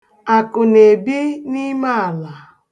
Akụ na-ebi n'ime ala.